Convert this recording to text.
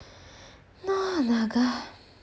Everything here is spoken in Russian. но нога